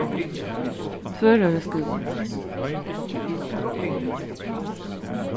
tvøroyrar skúli